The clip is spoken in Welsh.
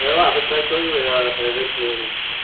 Wel na fedra i goelio y fersiwn